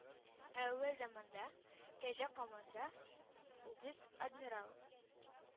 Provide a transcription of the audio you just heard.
Әүвәл заманда, кәҗә команда, үгез адмирал,